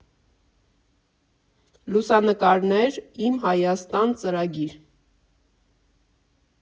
Լուսանկարներ՝ «Իմ Հայաստան» ծրագիր։